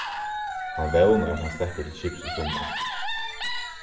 hann vónar at hann sleppur til skips í summar